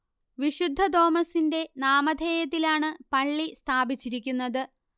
വിശുദ്ധ തോമസിന്റെ നാമധേയത്തിലാണ് പള്ളി സ്ഥാപിച്ചിരിക്കുന്നത്